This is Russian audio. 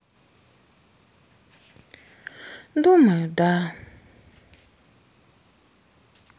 думаю да